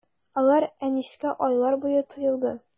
Алар Әнискә айлар булып тоелды.